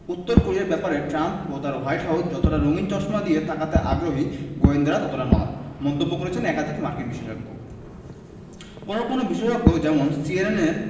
উত্তর কোরিয়ার ব্যাপারে ট্রাম্প ও তাঁর হোয়াইট হাউস যতটা রঙিন চশমা দিয়ে তাকাতে আগ্রহী গোয়েন্দারা ততটা নন মন্তব্য করেছেন একাধিক মার্কিন বিশেষজ্ঞ কোনো কোনো বিশেষজ্ঞ যেমন সিএনএনের